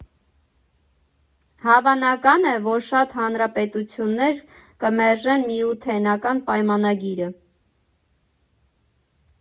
Հավանական է, որ շատ հանրապետություններ կմերժեն Միութենական պայմանագիրը։